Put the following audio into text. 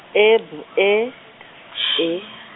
E B E T E.